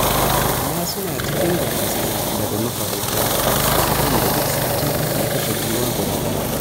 Amma su na cikin barazana daga mafarauta, a inda a duk sati ake kashe giwa guda ɗaya.